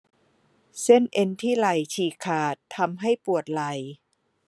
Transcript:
เส้นเอ็นที่ไหล่ฉีกขาดทำให้ปวดไหล่